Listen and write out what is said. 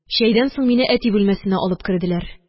Чәйдән соң мине әти бүлмәсенә алып керделәр.